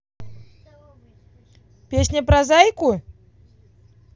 песня про зайку